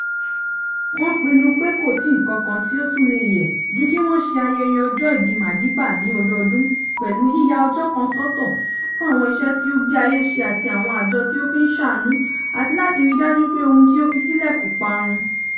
Wọ́n pinnu pé kò sí nǹkan kan tí ó tún lè yẹ ju kí wọ́n ṣe ayẹyẹ ọjọ́ ìbí Madiba ní ọdọọdún pẹ̀lú yíya ọjọ́ kan sọ́tọ̀ fún àwọn iṣẹ́ tí ó gbé ayé ṣe àti àwọn àjọ tí ó fi ń ṣàánú àti láti ríi dájú pé ohun tí ó fi sílẹ̀ kò parun.